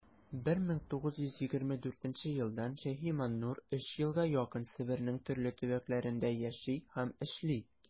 1924 елдан ш.маннур өч елга якын себернең төрле төбәкләрендә яши һәм эшли.